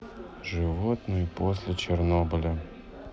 животные после чернобыля